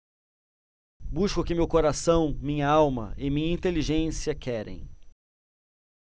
busco o que meu coração minha alma e minha inteligência querem